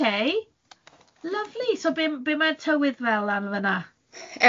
Ah ocê, lyfli, so be- be- mae'r tywydd fel lan fan'na?